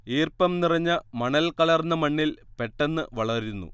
ഈർപ്പം നിറഞ്ഞ മണൽ കലർന്ന മണ്ണിൽ പെട്ടെന്ന് വളരുന്നു